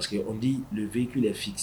Parce que on dit que le véhicule est fixe